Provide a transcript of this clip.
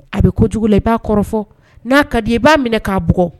A bɛ kojugu la i b'a kɔrɔfɔ n'a ka di i b'a minɛ k'a bugɔ